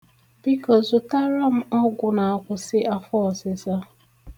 Biko, zụtara m ọgwụ na-akwụsị afọọsịsa.